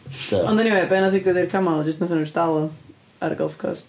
Ond eniwe, be wnaeth ddigwydd i'r camel wnaethon nhw jyst dal o, ar y golf course